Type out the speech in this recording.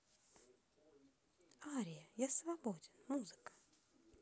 ария я свободен музыка